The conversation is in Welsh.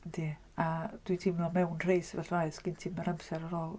Yndi a dwi'n teimlo mewn rhai sefyllfaoedd does gen ti ddim yr amser ar ôl.